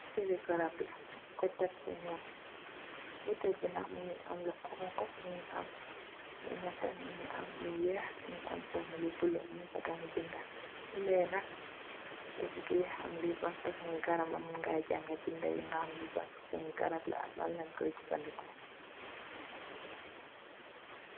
Butèèl li garap la ñing ko tèk fu ñuul, butèèl bi nak mugii am xonxu , mugii am lu netteh mugii am lu wèèx mugii am tamit lu bula ñing fa tamit bindé. Bindé yi nak so bangèè xam li ban fasungi garap la mun ngay janga bindé yi nga ham li lan lañ koy jafandiko.